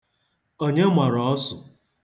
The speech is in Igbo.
Onye mara ọsụ?